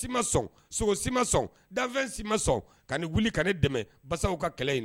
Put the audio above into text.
Si ma sɔn sogo si ma sɔn dafɛn si ma sɔn ka nin wuli kana dɛmɛ basaw ka kɛlɛ in na